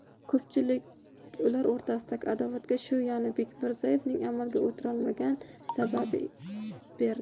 ko'pchilik ular o'rtasidagi adovatga shu yani bekmirzaevning amalga o'tirolmagani sabab derdi